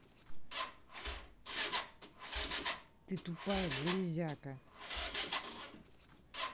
ты тупая железяка